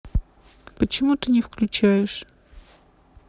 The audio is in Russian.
почему ты не включаешь